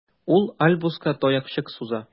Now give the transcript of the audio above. Ул Альбуска таякчык суза.